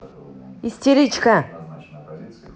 истеричка